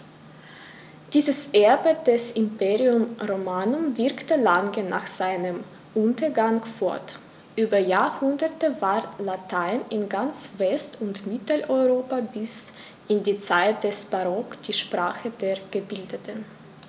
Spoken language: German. Dieses Erbe des Imperium Romanum wirkte lange nach seinem Untergang fort: Über Jahrhunderte war Latein in ganz West- und Mitteleuropa bis in die Zeit des Barock die Sprache der Gebildeten.